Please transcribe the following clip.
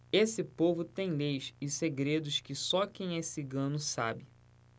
esse povo tem leis e segredos que só quem é cigano sabe